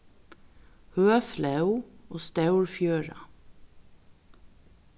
høg flóð og stór fjøra